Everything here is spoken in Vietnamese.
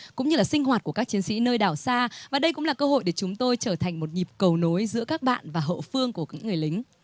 cũng như là sinh hoạt của các chiến sĩ nơi đảo xa và đây cũng là cơ hội để chúng tôi trở thành một nhịp cầu nối giữa các bạn và hậu phương của những người lính